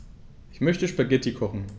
Ich möchte Spaghetti kochen.